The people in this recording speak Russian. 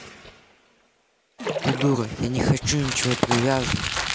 ты дура я не хочу ничего привязывать